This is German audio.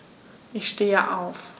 Ich stehe auf.